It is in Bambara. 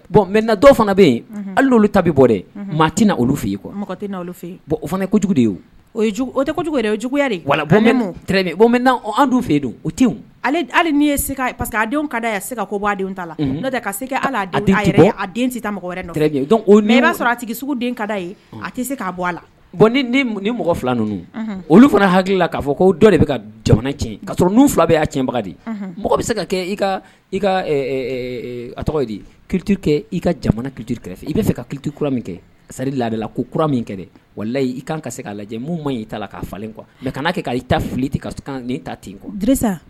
Bon mɛ na dɔw fana bɛ yen ale olu tabi bɔ dɛ maa tɛ na olu fɛ yen mɔgɔ tɛ fɛ yen bɔn o fana kojugu de ye o tɛ jugu fɛ don o te hali' ye se paseke que a denw ka da yan se ka ko' denw ta la' ka se ala a den si ta mɔgɔ wɛrɛ o y'a sɔrɔ a tigi seguden kada ye a tɛ se k'a bɔ a la bɔn ni mɔgɔ fila ninnu olu fana hakilila k'a fɔ k ko dɔ de bɛ ka jamana ka sɔrɔ n' fila bɛ' cɛbaga di mɔgɔ bɛ se ka kɛ ka ka a tɔgɔ di ki kɛ i ka jamana ki kɛrɛfɛ i b' fɛ ka kitukura min kɛ kali ladila ko kura min kɛ wa layi i kan ka se k'a lajɛ min ma y'i ta la k ka falen kuwa kana kɛ k' ta fili ka ta ten disa